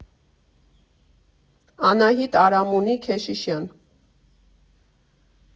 Անահիտ Արամունի Քեշիշյան։